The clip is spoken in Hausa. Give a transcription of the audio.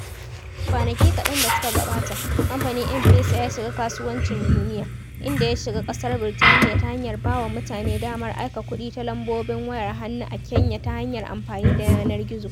Kwanaki kaɗan da suka gabata, kamfanin M-Pesa ya shiga kasuwancin duniya, inda ya shiga ƙasar Burtaniya ta hanyar ba mutane damar aika kuɗi ta lambobin wayar hannu a Kenya ta hanyar amfani da yanar gizo